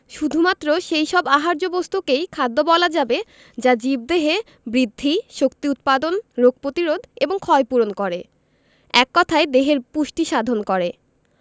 শুধুমাত্র সেই সব আহার্য বস্তুকেই খাদ্য বলা যাবে যা জীবদেহে বৃদ্ধি শক্তি উৎপাদন রোগ প্রতিরোধ এবং ক্ষয়পূরণ করে এক কথায় দেহের পুষ্টি সাধন করে